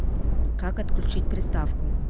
как отключить приставку